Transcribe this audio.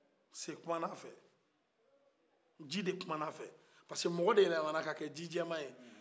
se kumana a fɛ ji de kumana a fɛ parceque mɔgɔ de yɛlɛmana ka kɛ jijɛma ye